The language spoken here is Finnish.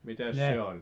mitäs se oli